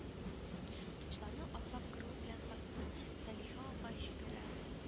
Тупсаны атлап керү белән хатыны Сәлихә апа җигерә: